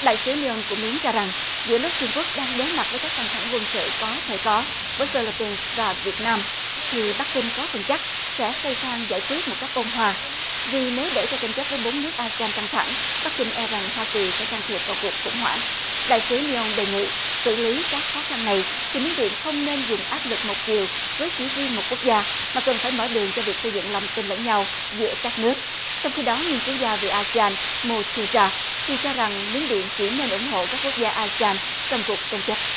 đại sứ niu ong của miến cho rằng giữa lúc trung quốc đang đối mặt với các căng thẳng quân sự có thể có với phi líp pin và việt nam thì bắc kinh có phần chắc sẽ xoay sang giải quyết một cách ôn hòa vì nếu để cho tranh chấp với bốn nước a sê an căng thẳng bắc kinh e rằng hoa kỳ sẽ can thiệp vào cuộc khủng hoảng đại sứ niu ông đề nghị xử lý các khó khăn này thì miến điện không nên dùng áp lực một chiều với chỉ riêng một quốc gia mà cần phải mở đường cho việc xây dựng lòng tin lẫn nhau giữa các nước trong khi đó nghiên cứu gia về a si an mô tiu gia thì cho rằng miến điện chỉ nên ủng hộ các quốc gia asean trong cuộc tranh chấp